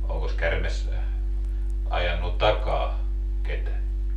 onkos käärme ajanut takaa ketään